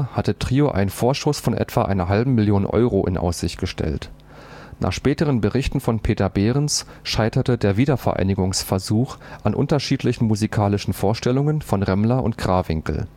hatte Trio einen Vorschuss von etwa einer halben Million Euro in Aussicht gestellt. Nach späteren Berichten von Peter Behrens scheiterte der Wiedervereinigungsversuch an unterschiedlichen musikalischen Vorstellungen von Remmler und Krawinkel